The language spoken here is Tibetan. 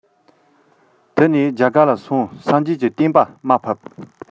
དེ ནས རྒྱ གར དུ ཕྱིན སངས རྒྱས ཀྱི བསྟན པར དམའ ཕབ